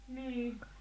niin